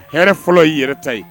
Hɛrɛ fɔlɔ ye yɛrɛ ta ye